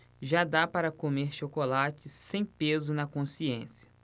já dá para comer chocolate sem peso na consciência